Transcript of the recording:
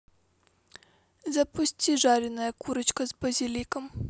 запусти жареная курочка с базиликом